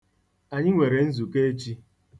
Anyị nwere nzukọ echi.